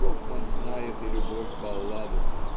Гофман знает и любовь-балладу